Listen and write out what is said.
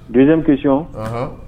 Donso kic